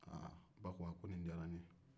aa ba ko a ko nin jara ne ye